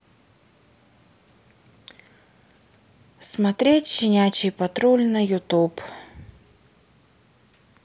смотреть щенячий патруль на ютуб